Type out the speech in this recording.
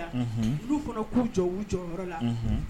Olu fana' jɔ yɔrɔ la